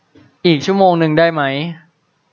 อีกชั่วโมงนึงได้ไหม